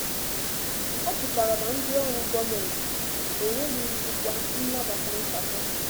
Ọ pụtara na ndịọrụ gọọmentị enweghị njikwa ịnabata nkatọ?